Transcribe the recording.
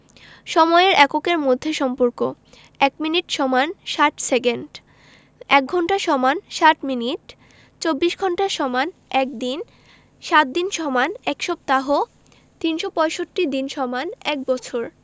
সময়ের এককের মধ্যে সম্পর্কঃ ১ মিনিট = ৬০ সেকেন্ড ১ঘন্টা = ৬০ মিনিট ২৪ ঘন্টা = ১ দিন ৭ দিন = ১ সপ্তাহ ৩৬৫ দিন = ১বছর